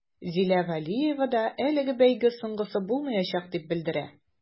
Зилә вәлиева да әлеге бәйге соңгысы булмаячак дип белдерә.